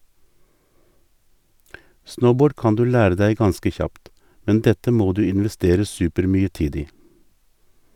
Snowboard kan du lære deg ganske kjapt, men dette må du investere supermye tid i.